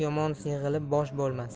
yomon yig'ilib bosh bo'lmas